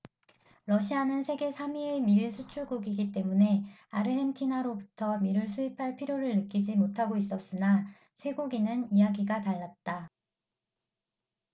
러시아는 세계 삼 위의 밀 수출국이기 때문에 아르헨티나로부터 밀을 수입할 필요를 느끼지 못하고 있었으나 쇠고기는 이야기가 달랐다